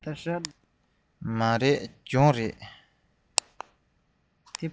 མ རེད འདི གྱང རེད